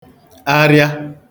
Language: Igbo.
arịa